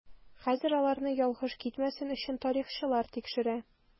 Хәзер аларны ялгыш китмәсен өчен тарихчылар тикшерә.